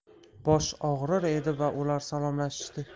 bosh og'rir edi va ular salomlashishdi